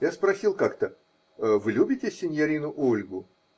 Я спросил как-то: -- Вы любите синьорину Ольгу?